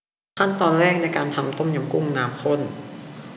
ขั้นตอนแรกในการทำต้มยำกุ้งน้ำข้น